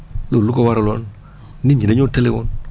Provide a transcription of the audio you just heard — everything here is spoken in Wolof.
loolu lu ko wara loon nit ñi dañoo tële woon